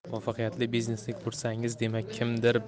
muvaffaqiyatli biznesni ko'rsangiz demak kimdir